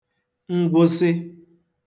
ngwụsị